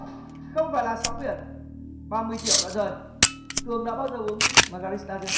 không phải là sóng biển ba mươi triệu đã rời cường đã bao giờ uống ma ga rít ta chưa